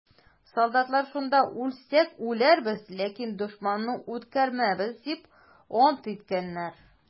Солдатлар шунда: «Үлсәк үләрбез, ләкин дошманны үткәрмәбез!» - дип ант иткәннәр.